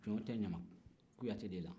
jɔn tɛ kuyatɛ de la